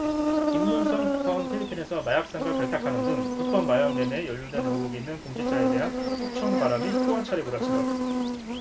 김문성 특파원 필리핀에서 마약상과 결탁하는 등 불법 마약 매매에 연루된 의혹이 있는 공직자에 대한 숙청 바람이 또 한차례 몰아친다